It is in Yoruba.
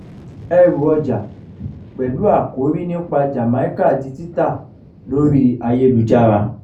Ẹrù ọjà pẹ̀lú àkórí nípa Jamaica di títà lórí ayélujára